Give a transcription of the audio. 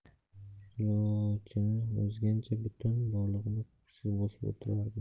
qulochini yozgancha butun borliqni ko'ksiga bosib olardi